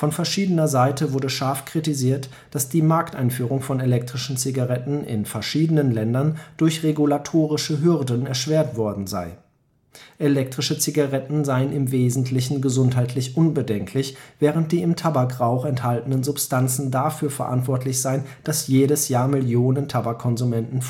verschiedener Seite wurde scharf kritisiert, dass die Markteinführung von elektrischen Zigaretten in verschiedenen Ländern durch regulatorische Hürden erschwert worden sei. Elektrische Zigaretten seien im Wesentlichen gesundheitlich unbedenklich, während die im Tabakrauch enthaltenen Substanzen dafür verantwortlich seien, dass jedes Jahr Millionen Tabak-Konsumenten